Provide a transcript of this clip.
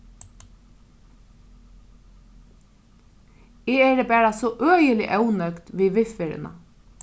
eg eri bara so øgiliga ónøgd við viðferðina